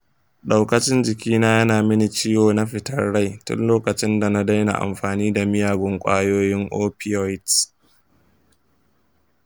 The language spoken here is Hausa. daukacin jikina yana mini ciwo na fitar rai tun lokacin da na daina amfani da miyagun ƙwayoyin opioids.